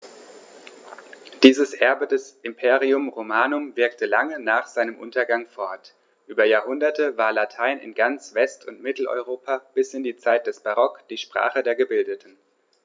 Dieses Erbe des Imperium Romanum wirkte lange nach seinem Untergang fort: Über Jahrhunderte war Latein in ganz West- und Mitteleuropa bis in die Zeit des Barock die Sprache der Gebildeten.